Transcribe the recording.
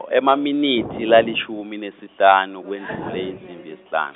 oh emaminitsi lalishumi nesihlanu kwendlule insimbi yesihlanu.